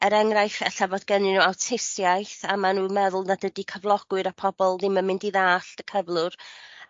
er enghraiff e'lla fod gennyn n'w awtistiaeth a ma' nw'n meddwl nad ydi cyflogwyr a pobol ddim yn mynd i ddallt y cyflwr.